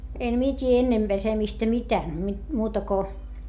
en minä tiedä ennen pesemistä mitään - muuta kuin